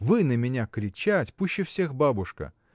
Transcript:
Вы на меня кричать, пуще всех бабушка.